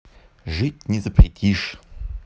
жить не запретишь